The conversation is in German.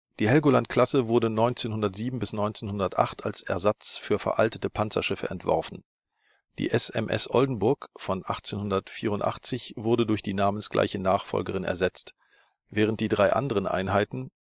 Die Helgoland-Klasse wurde 1907 – 1908 als Ersatz für veraltete Panzerschiffe entworfen. Die SMS Oldenburg von 1884 wurde durch die namensgleiche Nachfolgerin ersetzt, während die drei anderen Einheiten